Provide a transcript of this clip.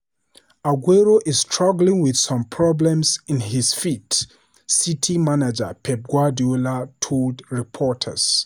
"Aguero is struggling with some problems in his feet," City manager Pep Guardiola told reporters.